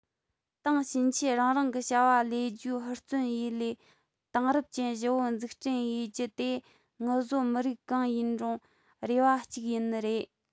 དེང ཕྱིན ཆད རང རང གི བྱ བ ལས རྒྱུའོ ཧུར བརྩོན ཡེད ལས དེང རབས ཅན བཞི བོ འཛུགས སྐྲུན ཡེད རྒྱུའོ དེ ངུ བཟོ མི རིགས གང ཡིན དྲུང རེ བ ཅིག ཡིན ནི རེད